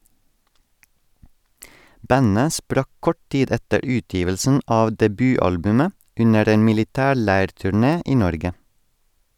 Bandet sprakk kort tid etter utgivelsen av debutalbumet, under en militærleirturné i Norge.